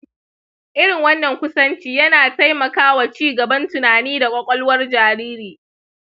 irin wannan kusanci yana taimakawa ci gaban tunani da ƙwaƙwalwar jariri.